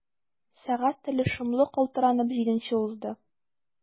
Сәгать теле шомлы калтыранып җидене узды.